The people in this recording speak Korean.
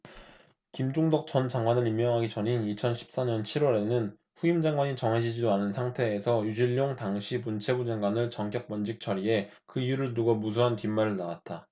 김종덕 전 장관을 임명하기 전인 이천 십 사 년 칠 월에는 후임 장관이 정해지지도 않은 상태에서 유진룡 당시 문체부 장관을 전격 면직 처리해 그 이유를 두고 무수한 뒷말을 낳았다